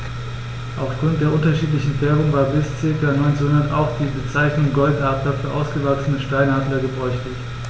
Auf Grund der unterschiedlichen Färbung war bis ca. 1900 auch die Bezeichnung Goldadler für ausgewachsene Steinadler gebräuchlich.